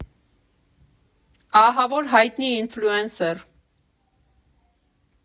Ահավոր հայտնի ինֆլուենսեր։